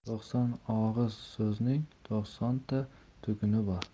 to'qson og'iz so'zning to'qsonta tuguni bor